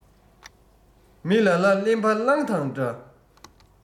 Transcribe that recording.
མི ལ ལ གླེན པ གླང དང འདྲ